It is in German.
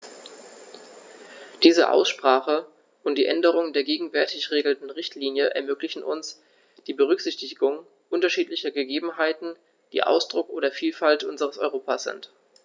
Diese Aussprache und die Änderung der gegenwärtig geltenden Richtlinie ermöglichen uns die Berücksichtigung unterschiedlicher Gegebenheiten, die Ausdruck der Vielfalt unseres Europas sind.